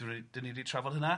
Dan ni dan ni di trafod hynna.